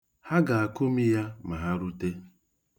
Ha ga-akụmi ya ma ha rute.